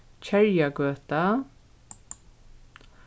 kerjagøta